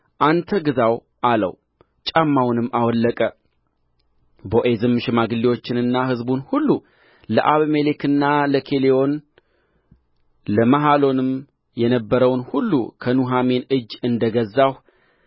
አንተ ግዛው አለው ጫማውንም አወለቀ ቦዔዝም ሽማግሌዎችንና ሕዝቡን ሁሉ ለአቤሜሌክና ለኬሌዎን ለመሐሎንም የነበረውን ሁሉ ከኑኃሚን እጅ እንደ ገዛሁ